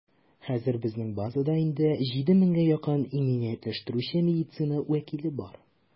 Хәзер безнең базада инде 7 меңгә якын иминиятләштерүче медицина вәкиле бар.